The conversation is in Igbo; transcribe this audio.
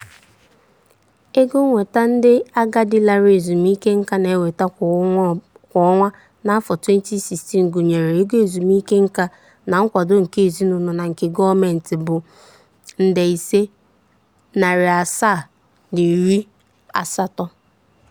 Ego nnweta ndị agadi lara ezumike nka na-enweta kwa ọnwa n'afọ 2016—gụnyere ego ezumike nka na nkwado nke ezinụlọ na nke gọọmentị—bụ HK$5,780 (US$720).